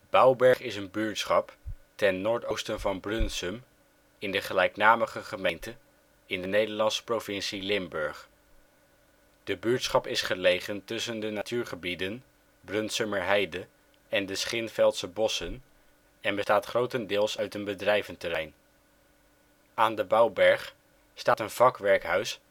Bouwberg is een buurtschap ten noordoosten van Brunssum in de gelijknamige gemeente in de Nederlandse provincie Limburg. De buurtschap is gelegen tussen de natuurgebieden Brunssummerheide en de Schinveldse Bossen en bestaat grotendeels uit een bedrijventerrein. Aan de Bouwberg staat een vakwerkhuis